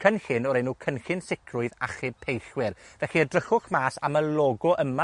Cynllun o'r enw Cynllun Sicrwydd Achub Peillwyr. Felly, edrychwch mas am y logo yma